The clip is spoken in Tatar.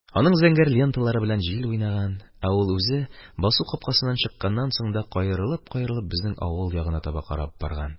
Аның зәңгәр ленталары белән җил уйнаган, ә ул үзе басу капкасын чыкканнан соң да каерылып-каерылып безнең авыл ягына таба карап барган.